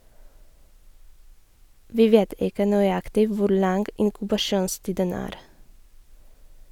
- Vi vet ikke nøyaktig hvor lang inkubasjonstiden er.